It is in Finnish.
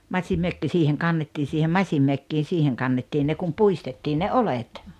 masinmökki siihen kannettiin siihen masinmökkiin siihen kannettiin ne kun puistettiin ne oljet